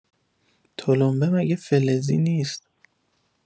تلمبه مگه فلزی نیست؟